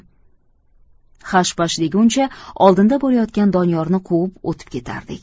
hash pash deguncha oldinda borayotgan doniyorni quvib o'tib ketardik